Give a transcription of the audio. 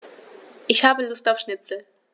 Ich habe Lust auf Schnitzel.